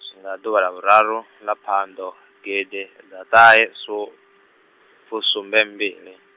tshinga ḓuvha ḽa vhuraru, ḽa phando, gidiḓaṱahefusumbembili.